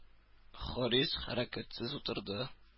Харис хәрәкәтсез утырды.